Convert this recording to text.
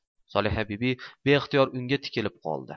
solihabibi beixtiyor unga tikilib qoldi